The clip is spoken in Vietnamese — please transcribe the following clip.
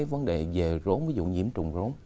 vấn đề về rốn ví dụ nhiễm trùng rốn